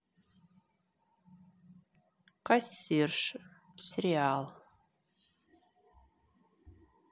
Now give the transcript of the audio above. кассирши сериал